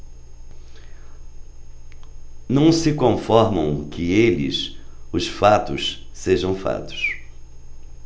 não se conformam que eles os fatos sejam fatos